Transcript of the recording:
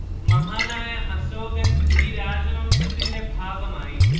മഹാനായ അശോകന്‍ ഈ രാജവംശത്തിന്റെ ഭാഗമായി